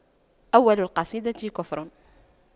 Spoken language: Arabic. أول القصيدة كفر